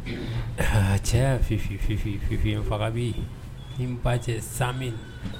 Cɛ fi fifin faga bɛ yen n ba cɛ sa